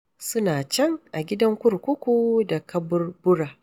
SUNA CAN: A GIDAN KURKUKU DA ƙABURBURA.